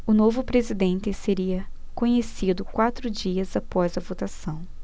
o novo presidente seria conhecido quatro dias após a votação